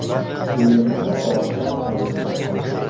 o'limi oldida aytdi